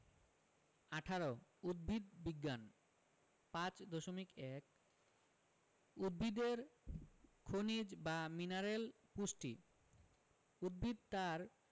১৮ উদ্ভিদ বিজ্ঞান 5.1 উদ্ভিদের খনিজ বা মিনারেল পুষ্টি উদ্ভিদ তার